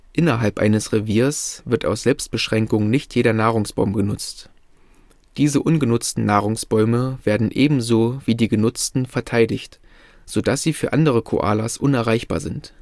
Innerhalb eines Reviers wird aus Selbstbeschränkung nicht jeder Nahrungsbaum benutzt. Diese ungenutzten Nahrungsbäume werden ebenso wie die genutzten verteidigt, so dass sie für andere Koalas unerreichbar sind